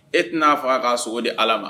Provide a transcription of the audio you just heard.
E tɛna n'a faga k'a sogo di ala ma